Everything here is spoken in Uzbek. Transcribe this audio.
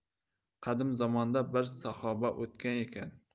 qadim zamonda bir saxoba o'tgan ekan